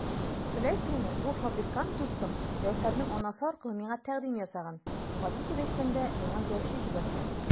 Беләсеңме, бу фабрикант дустым Гәүһәрнең анасы аркылы миңа тәкъдим ясаган, гади итеп әйткәндә, миңа яучы җибәрткән!